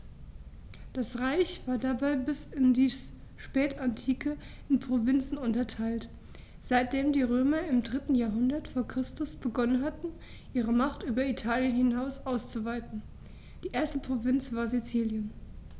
Das Reich war dabei bis in die Spätantike in Provinzen unterteilt, seitdem die Römer im 3. Jahrhundert vor Christus begonnen hatten, ihre Macht über Italien hinaus auszuweiten (die erste Provinz war Sizilien).